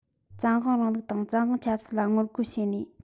བཙན དབང རིང ལུགས དང བཙན དབང ཆབ སྲིད ལ ངོ རྒོལ བྱས ནས